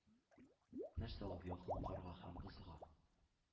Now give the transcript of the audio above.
Нәрсә ул ялкын карга һәм бозга,